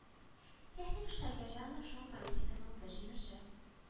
Техник шакирҗанов шул политиканың бер җимеше